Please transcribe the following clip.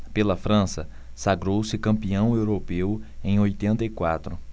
pela frança sagrou-se campeão europeu em oitenta e quatro